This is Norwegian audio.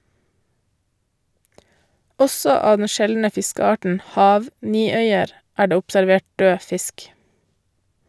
Også av den sjeldne fiskearten "hav- niøyer" er det observert død fisk.